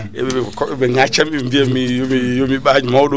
eɓe koɓe ŋacaami e biyami yomi ɓaaj mawɗo o